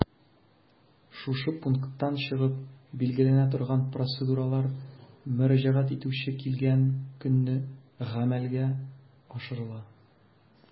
Шушы пункттан чыгып билгеләнә торган процедуралар мөрәҗәгать итүче килгән көнне гамәлгә ашырыла.